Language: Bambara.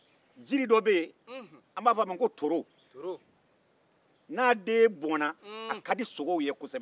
jiri dɔ bɛ yen ko toro n'a den bɔnna a ka di sogow ye kosɛbɛ